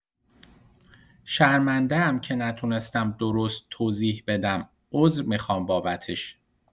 شرمنده‌ام که نتونستم درست توضیح بدم، عذر می‌خوام بابتش.